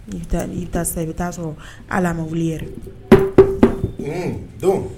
I i bɛ taa sɔrɔ ala ma wuli yɛrɛ